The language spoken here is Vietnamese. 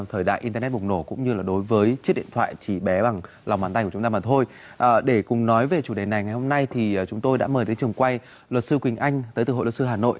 thời đại in tơ nét bùng nổ cũng như là đối với chiếc điện thoại chỉ bé bằng lòng bàn tay của chúng ta mà thôi để cùng nói về chủ đề này ngày hôm nay thì chúng tôi đã mời tới trường quay luật sư quỳnh anh tới từ hội luật sư hà nội